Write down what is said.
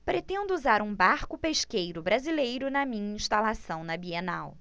pretendo usar um barco pesqueiro brasileiro na minha instalação na bienal